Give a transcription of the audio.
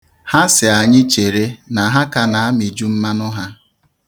Ha sị anyị chere na ha ka na-amịju mmanụ ha.